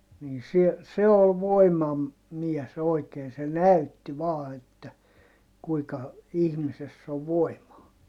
niin - se oli - voimamies oikein se näytti vain että kuinka ihmisessä on voimaa